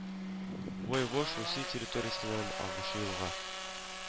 Вой-Вож Русия территориясеннән агучы елга